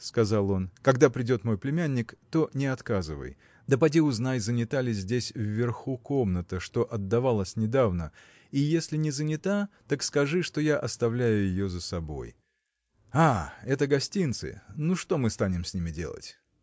– сказал он, – когда придет мой племянник, то не отказывай. Да поди узнай занята ли здесь вверху комната что отдавалась недавно и если не занята так скажи что я оставляю ее за собой. А! это гостинцы! Ну что мы станем с ними делать?